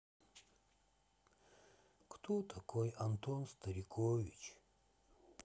кто такой антон старикович